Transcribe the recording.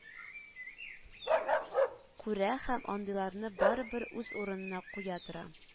Күрә һәм андыйларны барыбер үз урынына куя тора